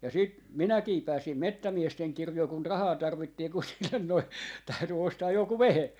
ja sitten minäkin pääsin metsämiesten kirjoihin kun rahaa tarvittiin kun sille noin täytyi ostaa joku vehje